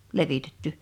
levitetty